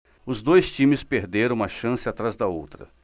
os dois times perderam uma chance atrás da outra